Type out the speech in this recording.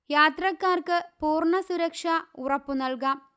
യാത്രക്കാർക്ക് പൂർണസുരക്ഷ ഉറപ്പു നല്കാം